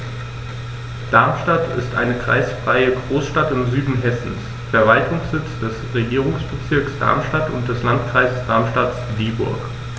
Darmstadt ist eine kreisfreie Großstadt im Süden Hessens, Verwaltungssitz des Regierungsbezirks Darmstadt und des Landkreises Darmstadt-Dieburg.